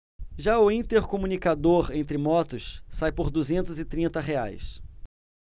já o intercomunicador entre motos sai por duzentos e trinta reais